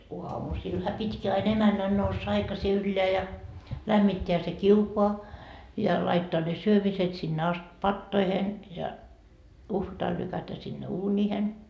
aamusillahan pitikin aina emännän nousta aikaisin ylös ja lämmittää se kiuas ja laittaa ne syömiset sinne asti patoihin ja uhvatalla lykätä sinne uuniin